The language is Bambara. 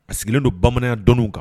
A sigilen don bamanan dɔnw kan